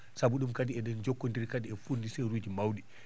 sabu ɗum kadi eɗen jokkonndiri kadi e fournisseur uji mawɗi